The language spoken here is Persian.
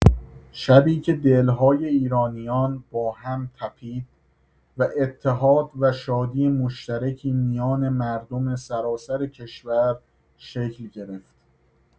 شبی که دل‌های ایرانیان با هم تپید و اتحاد و شادی مشترکی میان مردم سراسر کشور شکل گرفت.